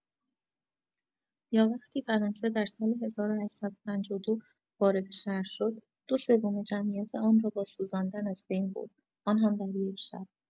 یا وقتی فرانسه در سال ۱۸۵۲ وارد شهر شد، دو سوم جمعیت آن را با سوزاندن از بین برد، آن هم در یک شب!